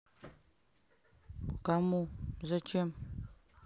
кому зачем